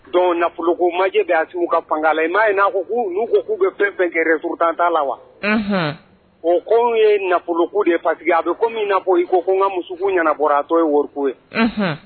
Donc nafolo ko manque bɛ Assimi ka fanga la i m'a ye n'a ko k'u n'u ko k'u bɛ fɛn fɛn kɛ tan t'a la wa unhun bon koow ye nafolo ko de ye parce que a be comme i n'a fɔ i ko ko n ka muso ko ɲanabɔra a tɔ ye wɔriko ye unhun